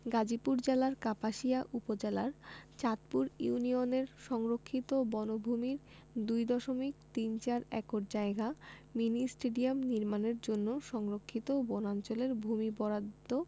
গাজীপুর জেলার কাপাসিয়া উপজেলার চাঁদপুর ইউনিয়নের সংরক্ষিত বনভূমির ২ দশমিক তিন চার একর জায়গা মিনি স্টেডিয়াম নির্মাণের জন্য সংরক্ষিত বনাঞ্চলের ভূমি বরাদ্দ